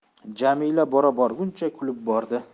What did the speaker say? jamila bora borguncha kulib bordi